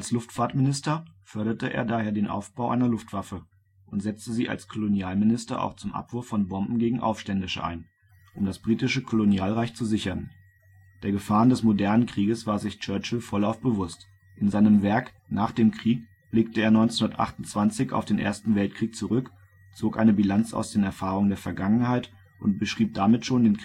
Luftfahrtminister förderte er daher den Aufbau einer Luftwaffe und setzte sie als Kolonialminister auch zum Abwurf von Bomben gegen Aufständische ein, um das britische Kolonialreich zu sichern. Der Gefahren des modernen Kriegs war sich Churchill vollauf bewusst. In seinem Werk Nach dem Krieg blickte er 1928 auf den 1. Weltkrieg zurück, zog eine Bilanz aus den Erfahrungen der Vergangenheit und beschrieb damit schon